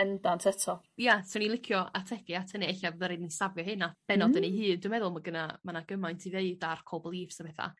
Benndant eto. Ia 'swn ni licio ategu at hynny ella ddylwn ni safio hyn at bennod yn 'i hyd dwi meddwl ma' gynna' ma' 'na gymaint i ddeud ar core beliefs a petha